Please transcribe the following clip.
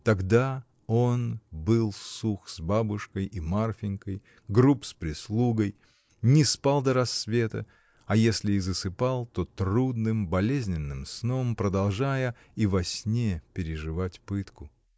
Тогда он был сух с бабушкой и Марфинькой, груб с прислугой, не спал до рассвета, а если и засыпал, то трудным, болезненным сном, продолжая и во сне переживать пытку.